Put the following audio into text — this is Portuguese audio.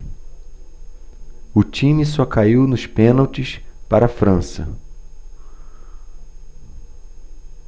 o time só caiu nos pênaltis para a frança